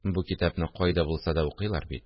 Бу китапны кайда булса да укыйлар бит